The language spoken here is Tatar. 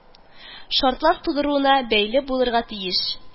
Шартлар тудыруына бәйле булырга тиеш